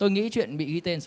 tôi nghĩ chuyện bị ghi tên